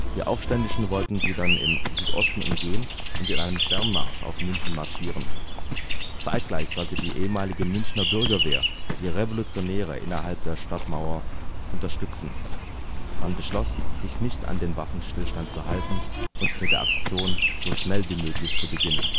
Die Aufständischen wollten sie dann im Südosten umgehen und in einem Sternmarsch auf München marschieren. Zeitgleich sollte die ehemalige Münchener Bürgerwehr die Revolutionäre innerhalb der Stadtmauer unterstützen. Man beschloss, sich nicht an den Waffenstillstand zu halten und mit der Aktion so schnell wie möglich zu beginnen